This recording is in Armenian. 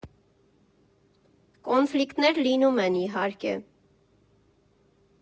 Կոնֆլիկտներ լինում են, իհարկե։